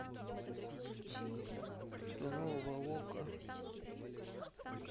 что нового в окко